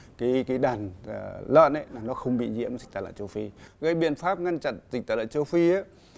cái cái đàn lợn ý nó không bị nhiễm dịch tả lợn châu phi cái biện pháp ngăn chặn dịch tả lợn châu phi